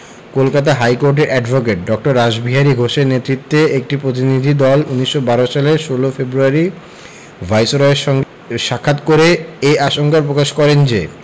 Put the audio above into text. কলকাতা হাইকোর্টের অ্যাডভোকেট ড. রাসবিহারী ঘোষের নেতৃত্বে একটি প্রতিনিধিদল ১৯১২ সালের ১৬ ফেব্রুয়ারি ভাইসরয়ের সঙ্গে সাক্ষাৎ করে এ আশঙ্কা প্রকাশ করেন যে